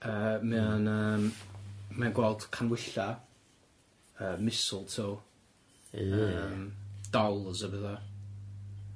Yy mae o'n yym mae o'n gweld canwylla yy mistletoe yy yym dolls a betha.